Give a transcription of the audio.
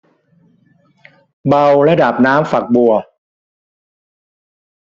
เบาระดับน้ำฝักบัว